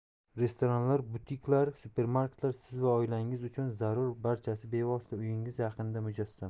restoranlar butiklar supermarketlar siz va oilangiz uchun zarur barchasi bevosita uyingiz yaqinida mujassam